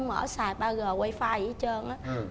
mở xài ba gờ goai phai gì hết trơn